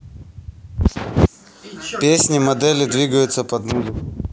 парни модели двигаются под музыку